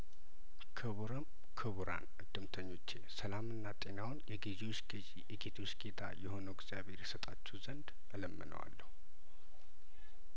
ክቡርም ክቡራን እድምተኞቼ ሰላምና ጤናውን የገዢዎች ገዢ የጌቶች ጌታ የሆነው እግዚአብሄር ይሰጣችሁ ዘንድ እለምነ ዋለሁ